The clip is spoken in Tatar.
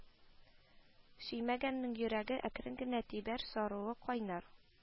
Сөймәгәннең йөрәге әкрен генә тибәр, саруы кайнар